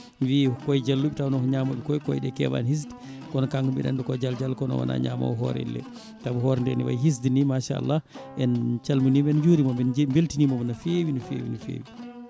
wi kooye Dialluɓe taw noon ko ñamoɓe kooye ɗe kewani hisde kono kanko mbiɗa andi ko Diallo Diallo kono o wona ñaamowo hoore elle saabu hoore nde no wayi hisde ni machallah en calminimo en juurimomo en beltinimomo no fewi no fewi no fewi